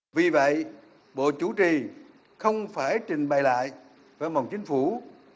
vì vậy bộ chủ trì không phải trình bày lại với một chính phủ